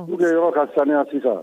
Pour que yɔrɔ ka saniya sisan